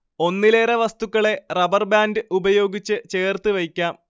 ഒന്നിലെറെ വസ്തുക്കളെ rubber band ഉപയോഗിച്ച് ചേർത്തു വയ്ക്കാം